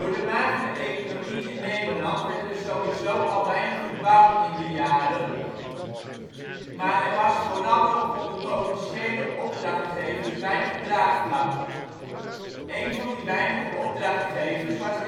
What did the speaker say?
de magere economie in Nederland werd er sowieso al weinig gebouwd in die jaren, maar er was vooral ook onder potentiële opdrachtgevers weinig draagvlak. Een van die weinige opdrachtgevers was